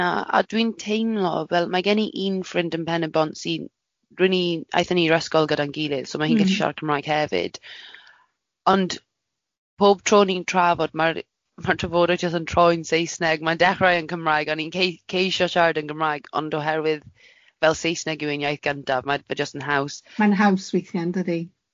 Na, a dwi'n teimlo fel mae gen i un ffrind yn Pen y Bont sy'n, ry'ni'n, aethon ni i'r ysgol gyda'n gilydd, so ma' hi'n... M-hm. ....gallu siarad Cymraeg hefyd, ond pob tro ni'n trafod ma'r ma'r trafodai jyst yn troi'n Saesneg, mae'n dechrau yn Cymraeg a o'n i'n cei- ceisio siarad yn Gymraeg, ond oherwydd fel Saesneg yw ein iaith gyntaf, ma' fe jyst yn haws. Mae'n haws weithiau, yndydi?